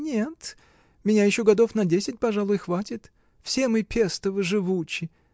нет -- меня еще годов на десять, пожалуй, хватит: все мы, Пестовы, живучи